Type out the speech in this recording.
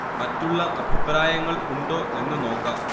മറ്റുള്ള അഭിപ്രായങ്ങൾ ഉണ്ടോ എന്ന് നോക്കാം